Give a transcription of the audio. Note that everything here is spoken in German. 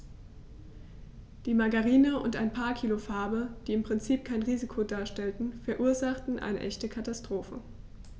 Die Margarine und ein paar Kilo Farbe, die im Prinzip kein Risiko darstellten, verursachten eine echte Katastrophe.